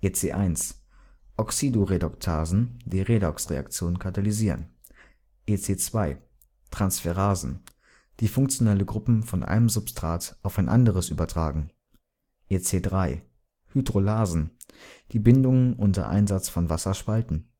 EC 1: Oxidoreduktasen, die Redoxreaktionen katalysieren. EC 2: Transferasen, die funktionelle Gruppen von einem Substrat auf ein anderes übertragen. EC 3: Hydrolasen, die Bindungen unter Einsatz von Wasser spalten